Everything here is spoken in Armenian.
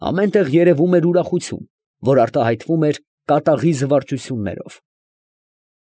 Ամեն տեղ երևում էր ուրախություն, որ արտահայտվում էր կատաղի զվարճություններով։